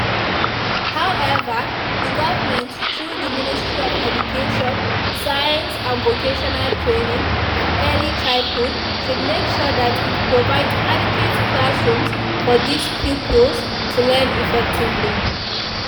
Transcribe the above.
However, the Government through the Ministry of Education, Science, Vocational Training and Early Childhood should make sure that it provides adequate classrooms for these pupils to learn effectively.